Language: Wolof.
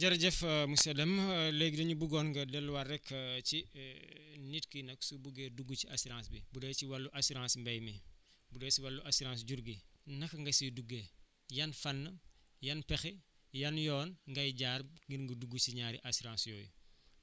jërëjëf monsieur Deme léegi dañu bëggoon nga delluwaat rek ci nit ki nag su buggee dugg ci assurance bi bu dee ci wàllu assurance mbéy mi bu dee si wàllu assurance jur gi naka nga siy duggee yan fànn yan pexe yan yoon ngay jaar ngir nga dugg ci ñaari assurance yooyu